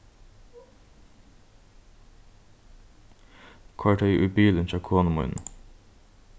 koyr tey í bilin hjá konu míni